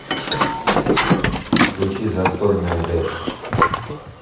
включи застольная лепс